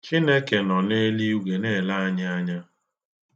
Chineke nọ n'eluigwe na-ele anyị anya.